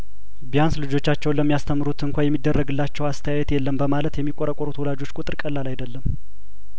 ቢያንስ ልጆቻቸውን ለሚ ያስተምሩት እንኳን የሚደረግላቸው አስተያየት የለም በማለት የሚቆረቆሩት ወላጆች ቁጥር ቀላል አይደለም